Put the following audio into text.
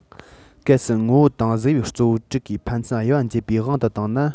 གལ སྲིད ངོ བོ དང གཟུགས དབྱིབས གཙོ བོ དྲུག གིས ཕན ཚུན དབྱེ བ འབྱེད པའི དབང དུ བཏང ན